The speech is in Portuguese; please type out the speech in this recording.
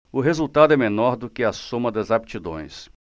o resultado é menor do que a soma das aptidões